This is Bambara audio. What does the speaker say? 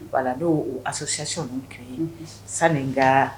Wala dɔw a sɔsiyasi tun sani ka